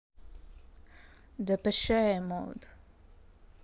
depeche mode